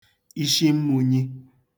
ishi mmūnyī